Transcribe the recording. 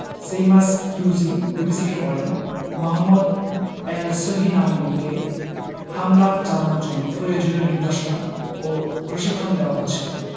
Seamus Hughes বিবিসিকে বলেন মোহাম্মদ এলসহিনাউয়িকে হামলা চালানোর জন্য প্রয়োজনীয় নির্দেশনা ও প্রশিক্ষণ দেওয়া হচ্ছিল